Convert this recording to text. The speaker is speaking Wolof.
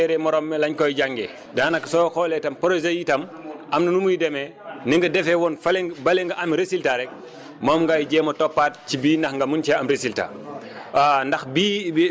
ndax nee nañ téere téere morom mi lañ koy jàngee daanaka soo xoolee tam projet yi tam am na lu muy demee ni nga defee woon fële bële nga am résultat rek moom ngay jéem a toppaat ci bii ndax nga mun cee am résultat